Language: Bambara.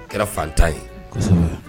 O kɛra fantan ye, kosɛbɛ